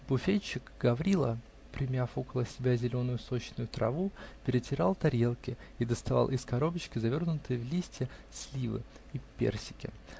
Буфетчик Гаврило, примяв около себя зеленую сочную траву, перетирал тарелки и доставал из коробочки завернутые в листья сливы и персики.